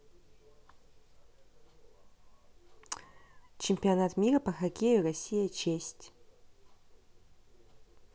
чемпионат мира по хоккею россия честь